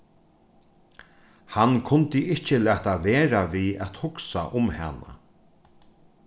hann kundi ikki lata vera við at hugsa um hana